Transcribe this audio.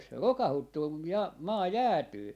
se rokauttuu kun - maa jäätyy